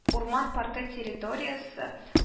Урман паркы территориясы